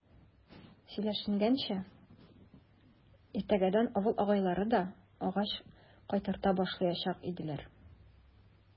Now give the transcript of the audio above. Сөйләшенгәнчә, иртәгәдән авыл агайлары да агач кайтарта башлаячак иделәр.